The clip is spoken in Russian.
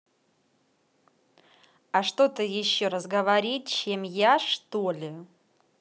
а что ты еще разговорить чем я что ли